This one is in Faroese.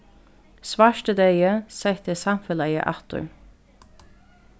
svartideyði setti samfelagið aftur